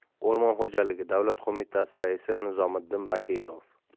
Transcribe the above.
o'rmon xo'jaligi davlat qo'mitasi raisi nizomiddin bakirov